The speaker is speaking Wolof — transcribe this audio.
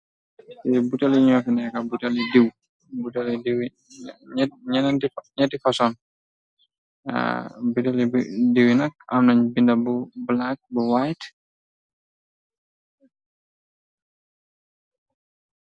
Fi buutali ñoofi neka butali diiw nyetti foson butel diw nak amnañ binda bu black bu white.